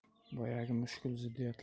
boyagi mushkul ziddiyatlar hali ham xayolini